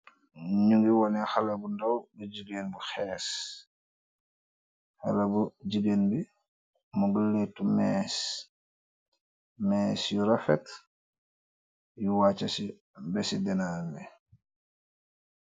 Ñu ngi wone xala bu ndaw, bu jigéen bu xees. Xale bu jigéen bi, mungi leetu mees yu rafet, yu waccha si besi denaam bi.